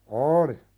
oli